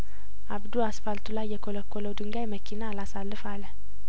አብዱ አስፋልቱ ላይ የኰለኰለው ድንጋይመኪና አላሳልፍ አለ